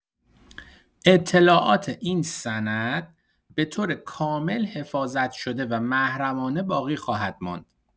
اطلاعات این سند به‌طور کامل حفاظت‌شده و محرمانه باقی خواهد ماند.